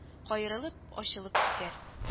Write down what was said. Каерылып ачылып китәр